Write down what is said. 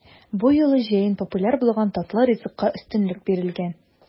Бу юлы җәен популяр булган татлы ризыкка өстенлек бирелгән.